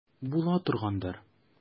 Була торгандыр.